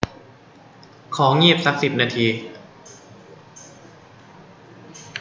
ของีบสักสิบนาที